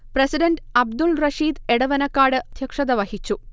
president Abdul Rasheed Edavanakkad അധ്യക്ഷത വഹിച്ചു